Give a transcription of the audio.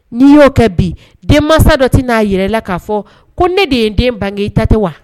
N'i y'o kɛ bi denmansa dɔ tɛ n'a jira i la k'a fɔ ko ne de ye n den bange i ta tɛ wa.